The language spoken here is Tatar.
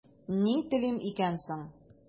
Ни телим икән соң?